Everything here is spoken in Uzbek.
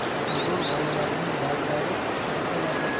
pifagor g'oyalarining ba'zilari sodda va